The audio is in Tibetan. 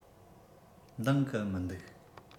འདང གི མི འདུག